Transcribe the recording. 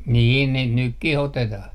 niin niitä nytkin otetaan